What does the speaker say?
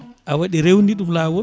a rewni ɗum lawol